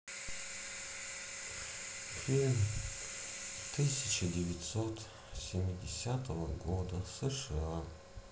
фильм тысяча девятьсот семидесятого года сша